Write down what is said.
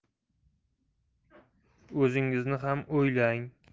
o'zingizni ham o'ylang